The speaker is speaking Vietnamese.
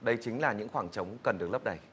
đấy chính là những khoảng trống cần được lấp đầy